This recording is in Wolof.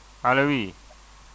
allo oui